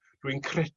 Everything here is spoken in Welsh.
rwy'n